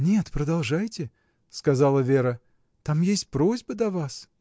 — Нет, продолжайте, — сказала Вера, — там есть просьба до вас.